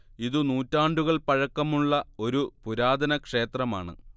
ഇതു നൂറ്റാണ്ടുകൾ പഴക്കമുള്ള ഒരു പുരാതന ക്ഷേത്രമാണ്